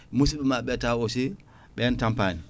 musidɓe maɓe tawa aussi ɓen tampani